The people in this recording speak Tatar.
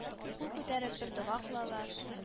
Кул күтәреп бер дога кылалар